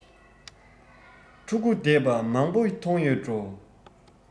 ཕྲུ གུ བསྡད པ མང པོ མཐོང ཡོད འགྲོ